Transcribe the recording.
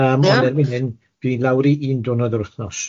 yym ond erbyn hyn dwi lawr i un dwrnod yr wythnos.